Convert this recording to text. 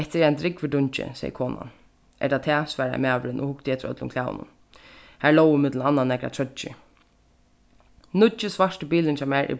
hetta er ein drúgvur dungi segði konan er tað tað svaraði maðurin og hugdi eftir øllum klæðunum har lógu millum annað nakrar troyggjur nýggi svarti bilurin hjá mær er